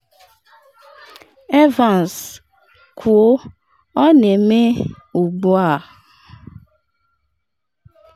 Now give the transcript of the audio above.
Evans: “Kwuo, ọ na-eme eme ugbu a!”